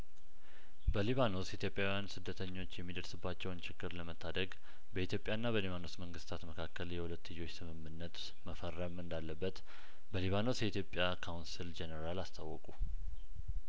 በሊባኖስ ኢትዮጵያውያን ስደተኞች የሚደርስባቸውን ችግር ለመታደግ በኢትዮጵያ ና በሊባኖስ መንግስታት መካከል የሁለትዮሽ ስምምነት መፈረም እንዳለበት በሊባኖስ የኢትዮጵያ ካውንስል ጄኔራል አስታወቁ